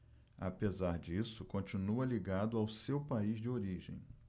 apesar disso continua ligado ao seu país de origem